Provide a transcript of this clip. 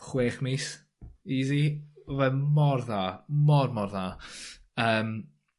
chwech mis easy ma' fe mor dda mor mor dda yym.